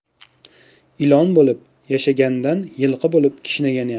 ilon bo'lib yashagandan yilqi bo'lib kishnagan yaxshi